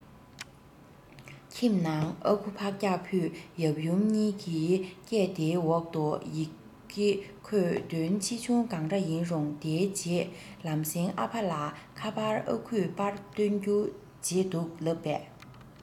ཁྱིམ ནང ཨ ཁུ ཕག སྐྱག ཕུད ཡབ ཡུམ གཉིས ཀྱི སྐད དེའི འོག ཏུ ཡི གེ ཁོས དོན ཆེ ཆུང གང འདྲ ཡིན རུང དེའི རྗེས ལམ སེང ཨ ཕ ལ ཁ པར ཨ ཁུས པར བཏོན རྒྱུ བརྗེད འདུག ལབ པས